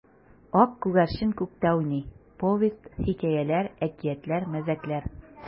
Ак күгәрчен күктә уйный: повесть, хикәяләр, әкиятләр, мәзәкләр.